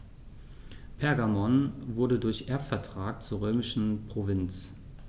Pergamon wurde durch Erbvertrag zur römischen Provinz.